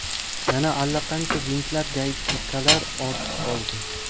yana allaqancha vintlar gaykalar ortib qoldi